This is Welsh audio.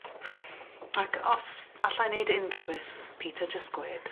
Ac os allai neud unrywbeth Peter jyst gwed.